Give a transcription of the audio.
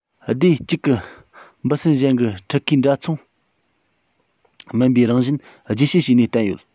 སྡེ གཅིག གི འབུ སྲིན གཞན གྱི ཕྲུ གུའི འདྲ མཚུངས མིན པའི རང བཞིན རྒྱས བཤད བྱས ནས བསྟན ཡོད